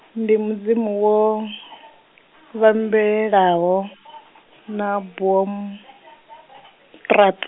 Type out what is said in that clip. ndi Mudzimu wo, vhambelaho na Boomstraat.